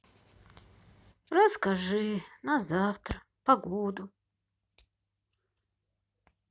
расскажи на завтра погоду